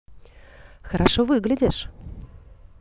хорошо выглядишь